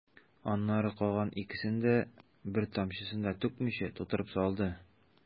Аннары калган икесенә дә, бер тамчысын да түкмичә, тутырып салды.